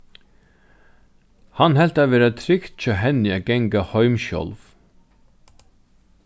hann helt tað vera trygt hjá henni at ganga heim sjálv